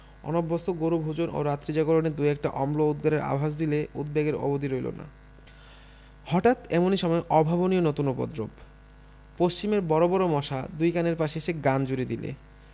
অনভ্যস্ত গুরু ভোজন ও রাত্রি জাগরণে দু একটা অম্ল উদগারের আভাস দিলে উদ্বেগের অবধি রইল না হঠাৎ এমনি সময় অভাবনীয় নতুন উপদ্রব পশ্চিমের বড় বড় মশা দুই কানের পাশে এসে গান জুড়ে দিলে